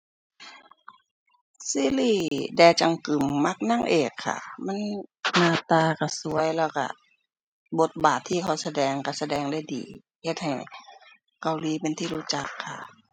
ซีรีส์แดจังกึมมักนางเอกค่ะ มันหน้าตาก็สวยแล้วก็บทบาทที่เขาแสดงก็แสดงได้ดีเฮ็ดให้เกาหลีเป็นที่รู้จักค่ะ